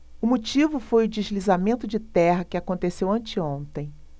o motivo foi o deslizamento de terra que aconteceu anteontem